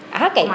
a xakay